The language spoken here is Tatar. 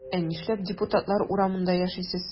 Ә нишләп депутатлар урамында яшисез?